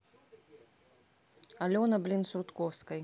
алена блин с рудковской